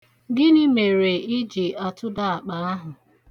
Gịnị mere ị ji atụda akpa ahụ?